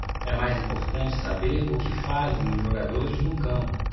é mais importante saber o que fazem os jogadores no campo